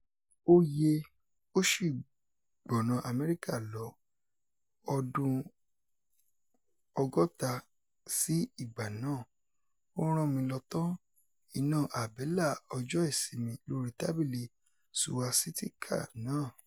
Ó yè é ó ṣì gbọ̀nà Amẹ́ríkà lọ, ọdún 60 sí ìgbà náà, ó rán mi lọ tàn iná àbẹ́là ọjọ́ ìsinmí lórí tábìlì Suwasitikà náà.